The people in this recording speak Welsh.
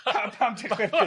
Pam pam ti'n chwerthin?